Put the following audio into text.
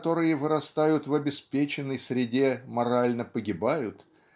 которые вырастают в обеспеченной среде морально погибают